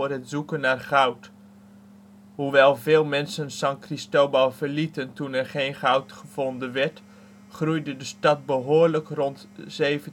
het zoeken naar goud. Hoewel veel mensen San Cristóbal verlieten toen er geen goud gevonden werd, groeide de stad behoorlijk rond 1795